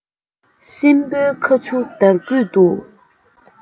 སྲིན བུའི ཁ ཆུ དར སྐུད དུ